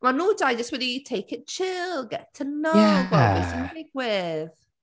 Maen nhw dau jyst wedi take it chill, get to know... Ie... Gweld beth sy’n digwydd.